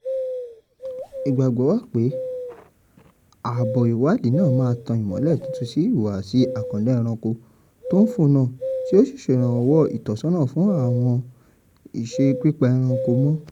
Ìgbàgbọ́ wà pé àbọ̀ ìwádìí náà máa tan ìmọ́lẹ̀ tuntun sí ìhùwàsí àkàndá ẹranko tó ń fò náà tí yóò sì ṣèrànwọ́ ìtasọ́nà fún àwọn iṣẹ́ pípa ẹ̀rankọ̀ mọ́.